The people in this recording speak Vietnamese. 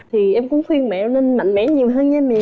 thì em cũng khuyên mẹ nên mạnh mẽ nhiều hơn nha mẹ